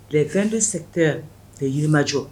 Tile fɛn bɛ sɛte tɛ jirimajɔ